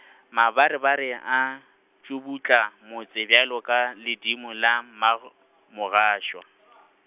mabarebare a, tšubutla motse bjalo ka ledimo la mmago mogašwa .